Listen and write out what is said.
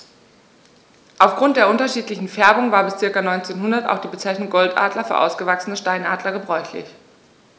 Auf Grund der unterschiedlichen Färbung war bis ca. 1900 auch die Bezeichnung Goldadler für ausgewachsene Steinadler gebräuchlich.